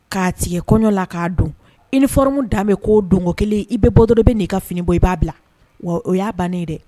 K'a tigɛ kɔɲɔ la k'a don uniforme dan be k'o doŋo 1 i be bɔ dɔrɔn i be n'i ka fini bɔ i b'a bila wa o y'a bannen ye dɛ